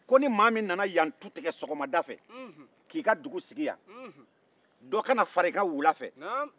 ko ni maa min nana yan tu tigɛ sɔgɔmada fɛ k'i ka dugu sigi yan dɔgɔ ka na fara i kan wula fɛ